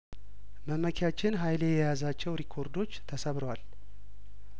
መመኪያችን ሀይሌ የያዛቸው ሪኮርዶች ተሰብረዋል